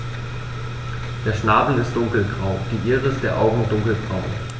Der Schnabel ist dunkelgrau, die Iris der Augen dunkelbraun.